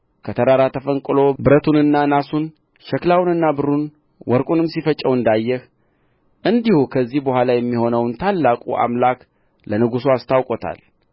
ከተራራ ተፈንቅሎ ብረቱንና ናሱን ሸክላውንና ብሩን ወርቁንም ሲፈጨው እንዳየህ እንዲሁ ከዚህ በኋላ የሚሆነውን ታላቁ አምላክ ለንጉሡ አስታውቆታል